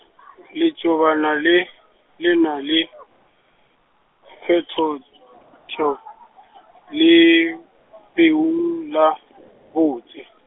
letšobana le, le na le, kgethots-, -tšho, leubeng la, botse.